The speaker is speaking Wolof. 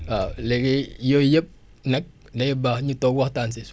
waaw léegi yooyu yëpp nag day baax ñu toog waxtaan si